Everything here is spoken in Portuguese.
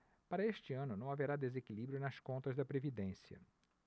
para este ano não haverá desequilíbrio nas contas da previdência